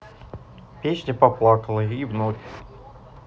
песня поплакала и вновь